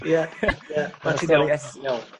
Ia.